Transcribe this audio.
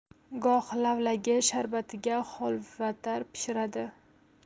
goh lavlagi sharbatiga holvaytar pishiradi